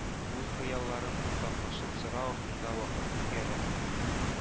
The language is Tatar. Уй-хыялларын уртаклашып сыра артында вакыт үткәрәләр